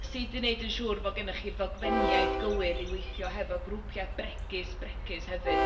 Sut i wneud yn siŵr bod gennych chi'r ddogfeniaeth gywir i weithio hefo grŵpiau bregus bregus hefyd.